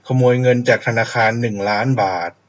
ขโมยเงินจากธนาคารหนึ่งล้านบาท